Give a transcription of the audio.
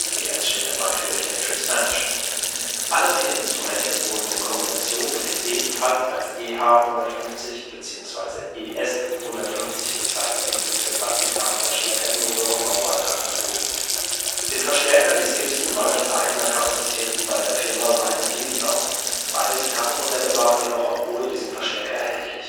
ES “– Electric-Spanish) vor. Alle vier Instrumente wurden in Kombination mit dem ebenfalls als EH-150 beziehungsweise ES-150 bezeichneten 15-Watt-Gitarrenverstärker in Röhrenbauweise angeboten. Den Verstärker ließ Gibson mangels eigener Kapazitäten bei der Firma Lyon & Healy bauen. Beide Gitarrenmodelle waren jedoch auch ohne diesen Verstärker erhältlich